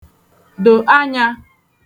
dò anyā